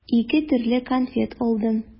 Ике төрле конфет алдым.